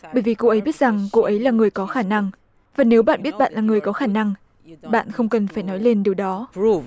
bởi vì cô ấy biết rằng cô ấy là người có khả năng và nếu bạn biết bạn là người có khả năng bạn không cần phải nói lên điều đó